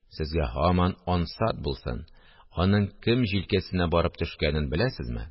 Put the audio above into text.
Сезгә һаман ансат булсын, аның кем җилкәсенә барып төшкәнен беләсезме